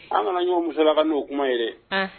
An kana ɲɔ musola ka n'o kuma ye dɛ